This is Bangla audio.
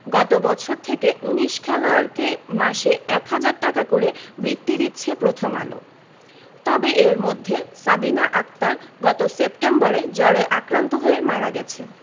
গত বছর থেকে ১৯ খেলোয়াড়কে মাসে ১ হাজার টাকা করে বৃত্তি দিচ্ছে প্রথম আলো তবে এর মধ্যে সাবিনা আক্তার গত সেপ্টেম্বরে জ্বরে আক্রান্ত হয়ে মারা গেছে